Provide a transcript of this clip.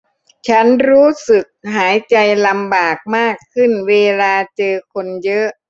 ฉันรู้สึกหายใจลำบากมากขึ้นเวลาเจอคนเยอะ